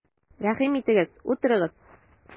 Рәхим итегез, утырыгыз!